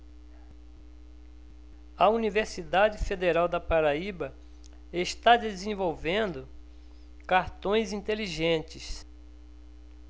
a universidade federal da paraíba está desenvolvendo cartões inteligentes